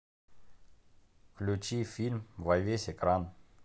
включи фильм во весь экран